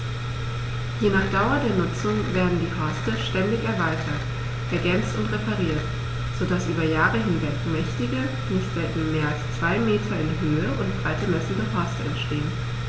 Je nach Dauer der Nutzung werden die Horste ständig erweitert, ergänzt und repariert, so dass über Jahre hinweg mächtige, nicht selten mehr als zwei Meter in Höhe und Breite messende Horste entstehen.